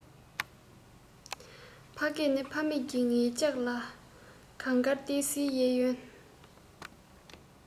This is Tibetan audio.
ཕ སྐད ནི ཕ མེས ཀྱིས ངེད ཅག ལ གངས དཀར ཏི སིའི གཡས གཡོན